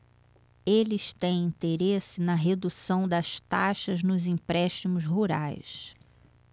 eles têm interesse na redução das taxas nos empréstimos rurais